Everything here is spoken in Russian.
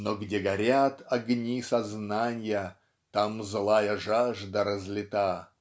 Но где горят огни сознанья Там злая жажда разлита